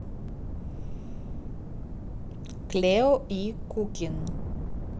клео и кукин